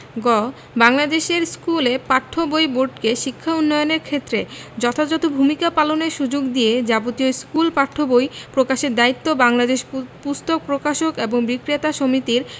গ বাংলাদেশের স্কুলে পাঠ্য বই বোর্ডকে শিক্ষা উন্নয়নের ক্ষেত্রে যথাযথ ভূমিকা পালনের সুযোগ দিয়ে যাবতীয় স্কুল পাঠ্য বই প্রকাশের দায়িত্ব বাংলাদেশ পুস্তক প্রকাশক ও বিক্রেতা সমিতির